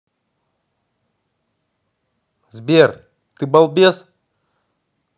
сбер ты балбес